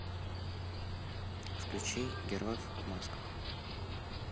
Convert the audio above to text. включи героев в масках